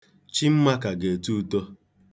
Chimma ka ga-eto uto.